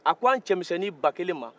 a ko an cɛmisɛnnin ba kelen man